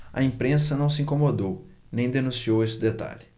a imprensa não se incomodou nem denunciou esse detalhe